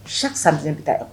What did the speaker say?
Si san bɛ taa yen